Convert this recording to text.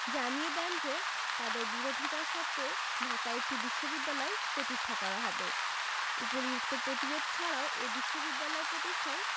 জানিয়ে দেন যে তাঁদের বিরোধিতা সত্ত্বেও ঢাকায় একটি বিশ্ববিদ্যালয় প্রতিষ্ঠা করা হবে উপরিউক্ত প্রতিরোধ ছাড়াও এ বিশ্ববিদ্যালয় প্রতিষ্ঠায়